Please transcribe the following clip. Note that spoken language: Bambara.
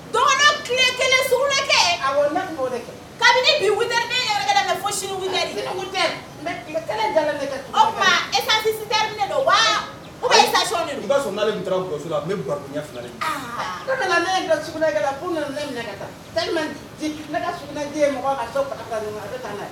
Dɔgɔ tile kabini yɛrɛ e don